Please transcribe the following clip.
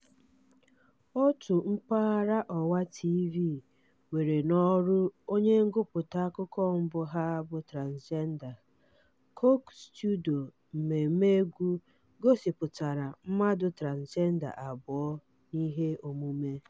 Otu mpaghara ọwa TV were n’ọrụ onye ngụpụta akụkọ mbụ ha bụ transịjenda; Coke studio, mmemme egwu, gosipụtara mmadụ transịjenda abụọ n'ihe omume.